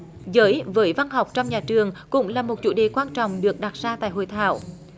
giới với văn học trong nhà trường cũng là một chủ đề quan trọng được đặt ra tại hội thảo